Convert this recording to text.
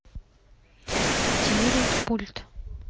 активировать пульт